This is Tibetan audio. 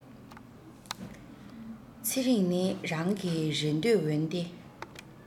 ཚེ རིང ནི རང གི རེ འདོད འོན ཏེ